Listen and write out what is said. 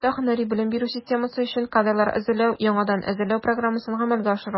Урта һөнәри белем бирү системасы өчен кадрлар әзерләү (яңадан әзерләү) программасын гамәлгә ашыру.